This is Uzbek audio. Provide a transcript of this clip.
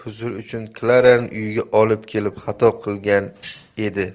uchun klarani uyiga olib kelib xato qilgan edi